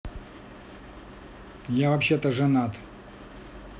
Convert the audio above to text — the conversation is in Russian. я вообще то женат